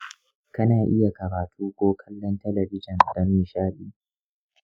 kana iya karatu ko kallon talabijn don nishaɗi?